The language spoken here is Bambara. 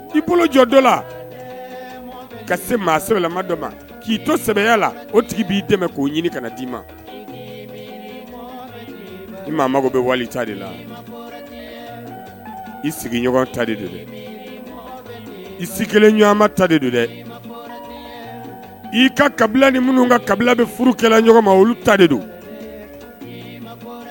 I jɔ dɔ la ka se maa sɛbɛnbɛ dɔ ma k'i to sɛbɛya la o tigi b'i dɛmɛ k'o ɲini ka' i ma i maa mago bɛ wali ta de la i sigiɲɔgɔn ta de don dɛ i si kelen ɲɔgɔnma ta de don dɛ i ka kabila ni minnu kabila bɛ furukɛla ma olu ta de don